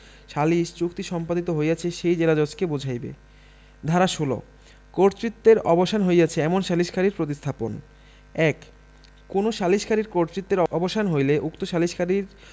সালিস চুক্তি সম্পাদিত হইয়াছে সেই জেলাজজকে বুঝাইবে ধারা ১৬ কর্তৃত্বের অবসান হইয়াছে এমন সালিসকারীর প্রতিস্থাপন ১ কোন সালিকারীর কর্তত্বের অবসান হইলে উক্ত সালিকারীর